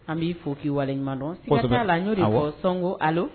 An b'i fo k' waleɲuman dɔna la n y'o sɔnko a